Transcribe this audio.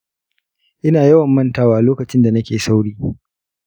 ina yawan mantawa lokacin da nake sauri.